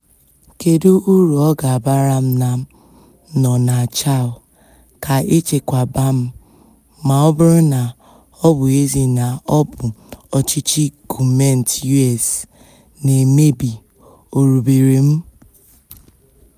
Kedu uru ọ ga-abara m na m nọ na Chile ka e chekwaba m ma ọ bụrụ na ọ bụ ezie na ọ bụ ọchịchị gọọmentị US na-emebi orubere m?